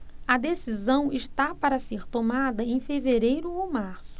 a decisão está para ser tomada em fevereiro ou março